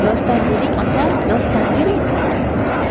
nosdan bering otam nosdan bering